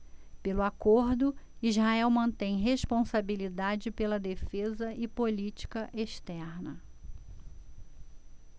pelo acordo israel mantém responsabilidade pela defesa e política externa